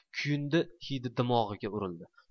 kuyundi hidi dimog'iga urildi